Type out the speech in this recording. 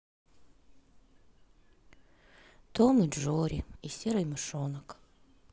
том и джорри и серый мышонок